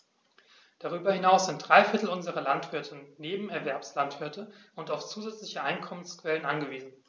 Darüber hinaus sind drei Viertel unserer Landwirte Nebenerwerbslandwirte und auf zusätzliche Einkommensquellen angewiesen.